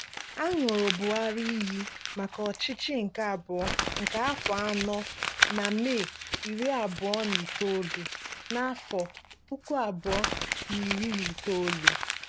A ṅụrụ Buhari iyi maka ọchịchị nke abụọ nke afọ anọ na Mee 29, 2019.